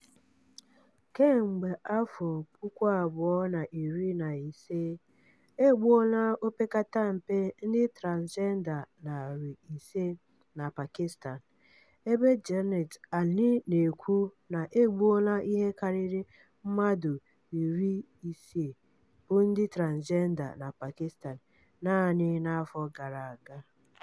Kemgbe afọ 2015, e gbuola opekatampe ndị transịjenda 500 na Pakistan, ebe Jannat Ali na-ekwu na e gbuola ihe karịrị mmadụ 60 bụ ndị transgenda na Pakistan naanị n'afọ gara aga.